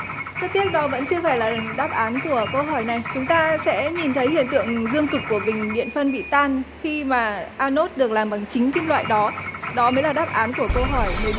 rất tiếc đó vẫn chưa phải là đáp án của câu hỏi này chúng ta sẽ nhìn thấy hiện tượng dương cực của bình điện phân bị tan khi mà a lốt được làm bằng chính kim loại đó đó mới là đáp án của câu hỏi mười